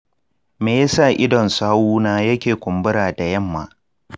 me yasa idon sawuna yake kumbura da yamma?